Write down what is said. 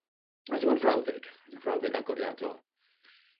a dyma'r frawddeg, y frawddeg agoriadol.